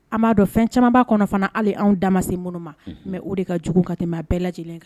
A b' dɔn fɛn camanba kɔnɔ fana hali' dama se minnu ma mɛ o de ka jugu ka tɛmɛ bɛɛ lajɛlen kan